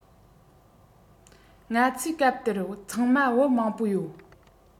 ང ཚོས སྐབས དེར ཚང མ བུ མང པོ ཡོད